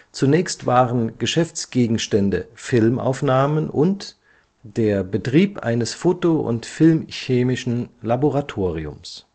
Zunächst waren Geschäftsgegenstände „ Filmaufnahmen “und „ der Betrieb eines foto - und film-chemischen Laboratoriums